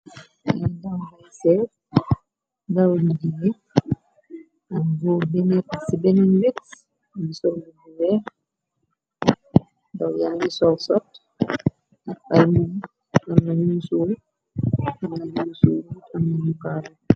Ayy dambay seef dawñ jie ak boo benet ci benen wets bi sollu bu weex daw yangi sol sot ak ay muam nañu musuur amnañumusuurrt amna mukaaro.